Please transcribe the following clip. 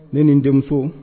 Ne ni n denmuso